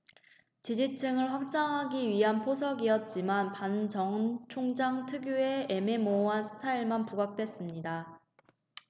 지지층을 확장하기 위한 포석이었지만 반 전 총장 특유의 애매모호한 스타일만 부각됐습니다